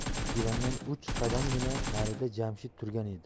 shu divandan uch qadamgina narida jamshid turgan edi